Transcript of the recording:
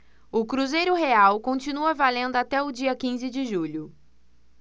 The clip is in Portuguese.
o cruzeiro real continua valendo até o dia quinze de julho